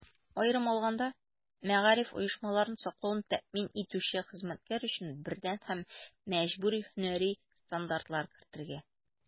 Аерым алганда, мәгариф оешмаларын саклауны тәэмин итүче хезмәткәр өчен бердәм һәм мәҗбүри һөнәри стандартлар кертергә.